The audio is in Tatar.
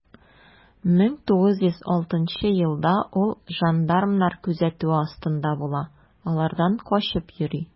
1906 елда ул жандармнар күзәтүе астында була, алардан качып йөри.